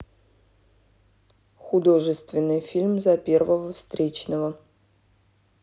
художественный фильм за первого встречного